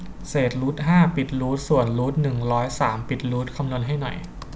เศษรูทห้าปิดรูทส่วนรูทหนึ่งร้อยสามปิดรูทคำนวณให้หน่อย